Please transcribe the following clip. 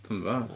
Dwi'm yn gwybod.